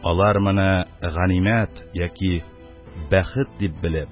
Алар, моны ганимәт яки бәхет дип белеп,